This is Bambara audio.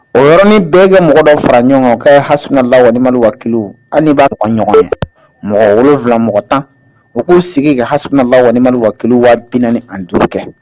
O yɔrɔnin bɛɛ kɛ mɔgɔ dɔw fara ɲɔgɔn kan ka ye hasina la wa ki ani b'a ɲɔgɔn mɔgɔwula mɔgɔ tan u k'u sigi ka hasina lawalelo waa bi ani duuru kɛ